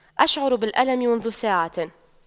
أشعر بالألم منذ ساعة